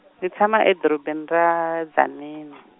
ni tshama edorobeni ra Tzaneen.